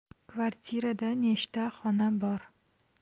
kvartirada nechta xona bor